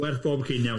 Werth bob ceinog.